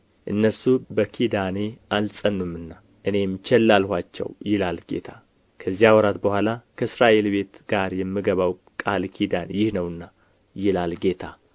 እነርሱ በኪዳኔ አልጸኑምና እኔም ቸል አልኋቸው ይላል ጌታ ከዚያ ወራት በኋላ ከእስራኤል ቤት ጋር የምገባው ቃል ኪዳን ይህ ነውና ይላል ጌታ